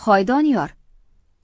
hoy doniyor